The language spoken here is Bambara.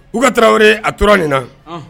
U ka tarawele a tora nin na